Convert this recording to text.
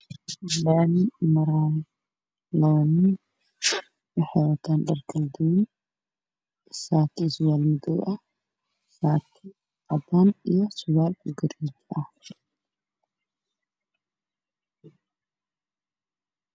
Meeshaan haka taagan bird dheer oo fiilooyin ku xiran yihiin waxaana ag maray nin qabashada caddaan ah waxaana ka dambeeyay guri